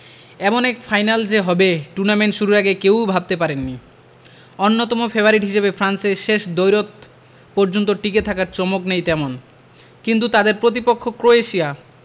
এমন এক ফাইনাল যে হবে টুর্নামেন্ট শুরুর আগে কেউ ভাবতে পারেননি অন্যতম ফেভারিট হিসেবে ফ্রান্সের শেষ দ্বৈরথ পর্যন্ত টিকে থাকার চমক নেই তেমন কিন্তু তাদের প্রতিপক্ষ ক্রোয়েশিয়া